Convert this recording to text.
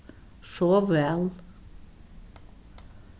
sov væl